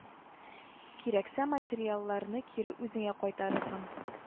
Кирәксә материалларны кире үзеңә кайтарырмын